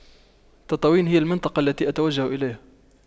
تطاوين هي المنطقة التي أتوجه اليها